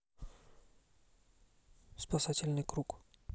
спасательный круг